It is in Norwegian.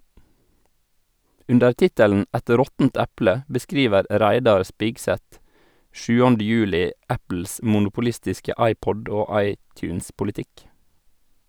Under tittelen "Et råttent eple" beskriver Reidar Spigseth 7. juli Apples monopolistiske iPod- og iTunes-politikk.